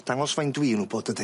Wel dangos faint dwi yn wbod dydi.